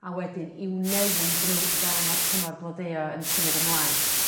a wedyn i'w newid n'w fel ma'r tymor blodeuo yn symud ymlaen.